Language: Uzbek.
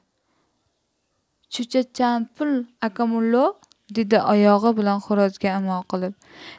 cho'cha chan pul aka mullo dedi oyog'i bilan xo'rozga imo qilib